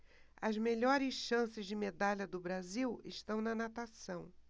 as melhores chances de medalha do brasil estão na natação